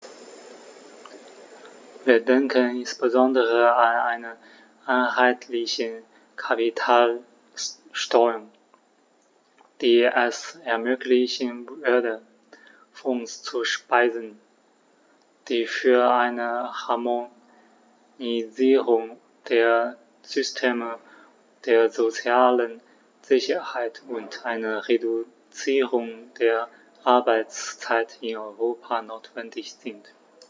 Wir denken insbesondere an eine einheitliche Kapitalsteuer, die es ermöglichen würde, Fonds zu speisen, die für eine Harmonisierung der Systeme der sozialen Sicherheit und eine Reduzierung der Arbeitszeit in Europa notwendig sind.